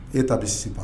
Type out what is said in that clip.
E ta bi siba